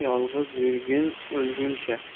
yolg'iz yurgin o'lguncha